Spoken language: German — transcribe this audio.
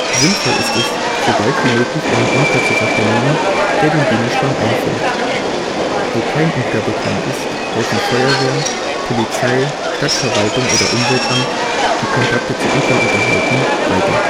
Sinnvoll ist es, so bald wie möglich einen Imker zu verständigen, der den Bienenschwarm einfängt. Wo kein Imker bekannt ist, helfen Feuerwehr, Polizei, Stadtverwaltung oder Umweltamt, die Kontakte zu Imkern unterhalten, weiter